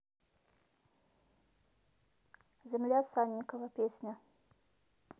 земля санникова песня